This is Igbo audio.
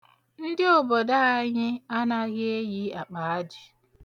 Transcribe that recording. Ndị obodo anyị anaghị eyi akpa ajị.